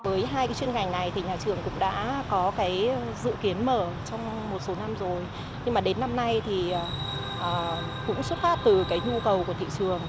với hai chuyên ngành này thì nhà trường cũng đã có cái dự kiến mở trong một số năm rồi nhưng mà đến năm nay thì ờ cũng xuất phát từ cái nhu cầu của thị trường